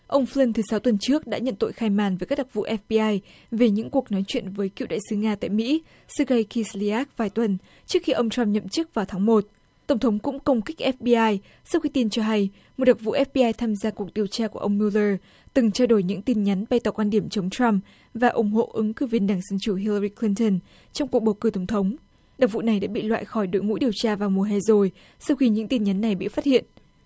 ông phờ lừn thứ sáu tuần trước đã nhận tội khai màn với với đặc vụ ép pi ai về những cuộc nói chuyện với cựu đại sứ nga tại mỹ xéc lây ki xờ li ác vài tuần trước khi ông trăm nhậm chức vào tháng một tổng thống cũng công kích ép pi ai sau khi tin cho hay một đặc vụ ép pi ai tham gia cuộc điều tra của ông miu dơ từng trao đổi những tin nhắn bày tỏ quan điểm chống trăm và ủng hộ ứng cử viên đảng dân chủ hi la ry cờ lin tơn trong cuộc bầu cử tổng thống đặc vụ này đã bị loại khỏi đội ngũ điều tra vào mùa hè rồi sau khi những tin nhắn này bị phát hiện